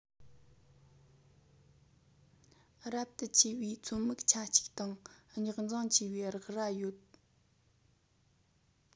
རབ ཏུ ཆེ བའི ཚོམ མིག ཆ གཅིག དང རྙོག འཛིང ཆེ བའི རེག རྭ ཡོད